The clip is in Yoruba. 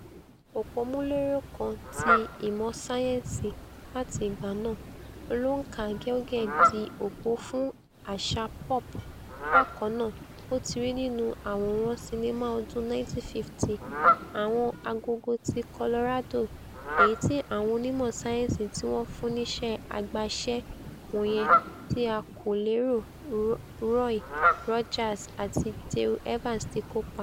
Òpómúléró kan ti ìmọ̀ sáyẹ́ǹsì láti ìgbà náà, Olóǹkà Geiger di òpó fún àṣà pop bákannáà, bótirí nínú àwòrán sinnimá ọdún 1950 ''Àwọn Agogo ti Colorado,'' èyití àwọn onímọ̀ sáyẹ́nsì tíwọn fúnníṣe àgbàṣe wọ̀nyẹn tí a kò lérò ROY Rogers àti Dale Evans ti kópa: